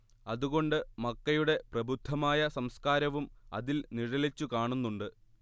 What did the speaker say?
അത് കൊണ്ട് മക്കയുടെ പ്രബുദ്ധമായ സംസ്കാരവും അതിൽ നിഴലിച്ചു കാണുന്നുണ്ട്